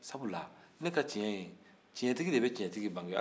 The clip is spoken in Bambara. sabula tiɲɛtigi de bɛ tiɲɛtigi bange